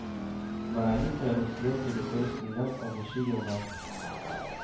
Маралиха Русия территориясеннән агучы елга